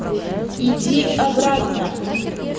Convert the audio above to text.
иди обратно